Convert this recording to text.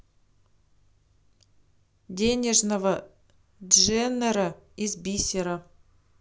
денежного дженнера из бисера